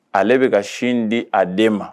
Ale bɛ ka sin di a den ma.